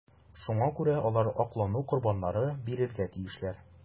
Шуңа күрә алар аклану корбаннары бирергә тиешләр.